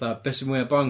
Fatha, be sy mwya bonks.